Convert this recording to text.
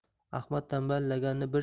ahmad tanbal laganni bir